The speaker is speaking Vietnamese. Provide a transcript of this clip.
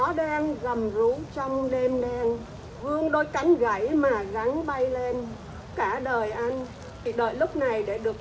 ó đang gầm rú trong đêm đen vươn đôi cánh gãy mà gắng bay lên cả đời anh chỉ đợi lúc này để được